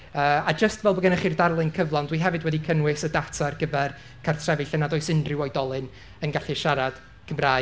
yy a jyst fel bod gennych chi'r darlun cyflawn, dwi hefyd wedi cynnwys y data ar gyfer cartrefi lle nad oes unrhyw oedolyn yn gallu siarad Cymraeg.